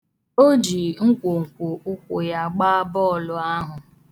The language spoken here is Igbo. O ji nkwonkwoụkwụ ya gbaa bọọlụ ahụ.